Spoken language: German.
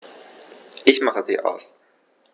Ich mache sie aus.